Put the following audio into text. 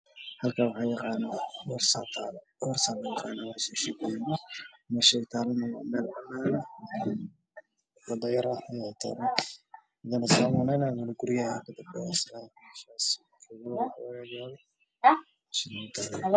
Waa boorso midabkeedu yahay cagaar